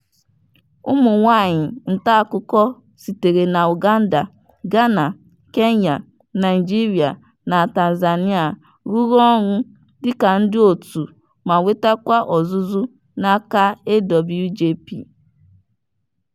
Ụmụ nwaanyị nta akụkọ sitere na Uganda, Gana, Kenya, Naijiria na Tanzania rụrụ ọrụ dịka ndị òtù ma nwetakwa ọzụzụ n'aka AWJP.